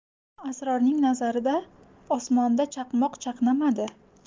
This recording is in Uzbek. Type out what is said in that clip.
asrorning nazarida osmonda chaqmoq chaqnamadi